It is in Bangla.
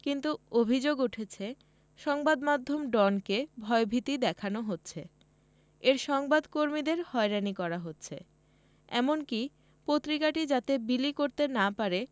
কিন্তু অভিযোগ উঠেছে সংবাদ মাধ্যম ডনকে ভয়ভীতি দেখানো হচ্ছে এর সংবাদ কর্মীদের হয়রানি করা হচ্ছে এমনকি পত্রিকাটি যাতে বিলি করতে না পারে